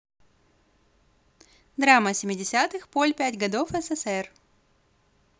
dramma семидесятых поль пять годов сср